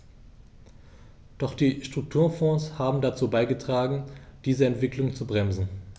Doch die Strukturfonds haben dazu beigetragen, diese Entwicklung zu bremsen.